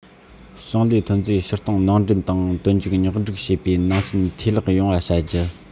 ཞིང ལས ཐོན རྫས ཕྱིར གཏོང ནང འདྲེན དང འདོན འཇུག སྙོག སྒྲིག བྱེད པའི ནང རྐྱེན འཐུས ལེགས ཡོང བ བྱ རྒྱུ